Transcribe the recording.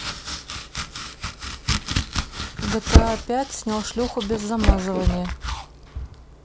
гта пять снял шлюху без замазывания